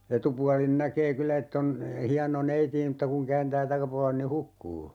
etupuolelta näkee kyllä että on hieno neiti - mutta kun kääntää takapuolen niin hukkuu